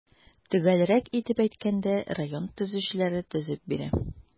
Төгәлрәк итеп әйткәндә, район төзүчеләре төзеп бирә.